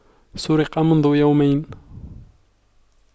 سرق منذ يومين